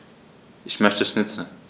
Ich möchte Schnitzel.